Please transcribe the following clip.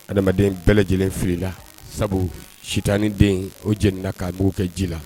Adamadamaden bɛɛ lajɛlen feerela sabu sita ni den o j na ka' kɛ ji la